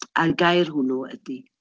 A'r gair hwnnw ydy...